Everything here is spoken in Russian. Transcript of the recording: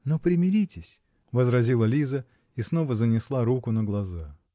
но примиритесь, -- возразила Лиза и снова занесла руку на глаза.